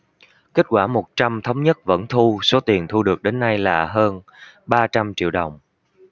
kết quả một trăm thống nhất vẫn thu số tiền thu được đến nay là hơn ba trăm triệu đồng